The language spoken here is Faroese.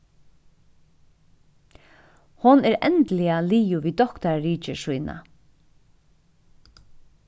hon er endiliga liðug við doktararitgerð sína